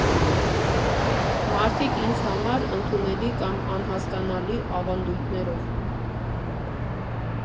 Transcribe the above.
Մարդիկ՝ ինձ համար ընդունելի կամ անհասկանալի ավանդույթներով։